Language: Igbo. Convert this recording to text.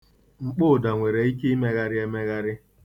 Mkpọụda nwere ike imegharị emegharị.